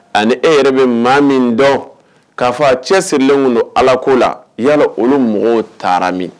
Ani e yɛrɛ bɛ maa min dɔn, k'a fɔ a cɛsirilen tun don ala ko la, yala olu mɔgɔw tara min?